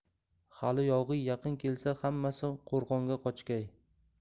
hali yog'iy yaqin kelsa hammasi qo'rg'onga qochgay